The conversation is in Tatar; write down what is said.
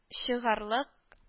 Чыгарлык